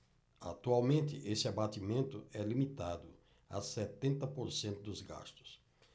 atualmente esse abatimento é limitado a setenta por cento dos gastos